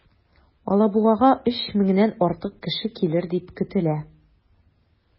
Алабугага 3 меңнән артык кеше килер дип көтелә.